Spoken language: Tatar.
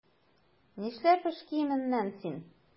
Нишләп эш киеменнән син?